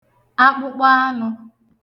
akpụkpọ anū